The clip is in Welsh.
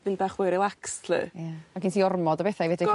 dipyn bach fwy relaxed 'lly. Ia. Ma' gen ti ormod o bethe i fedru...